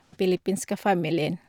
Filippinske familien.